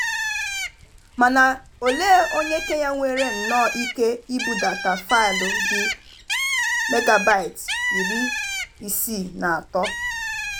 Mana olee onye Kenya nwere nnọọ ike ịbudata faịlụ dị 63 MB?